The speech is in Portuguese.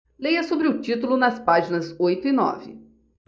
leia sobre o título nas páginas oito e nove